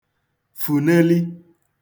fùneli